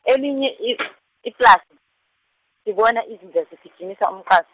elinye i- iplasi, sibona izinja zigijimisa umqas-.